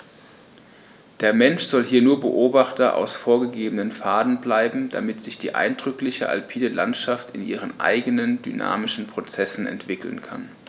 Der Mensch soll hier nur Beobachter auf vorgegebenen Pfaden bleiben, damit sich die eindrückliche alpine Landschaft in ihren eigenen dynamischen Prozessen entwickeln kann.